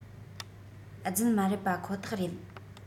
རྫུན མ རེད པ ཁོ ཐག རེད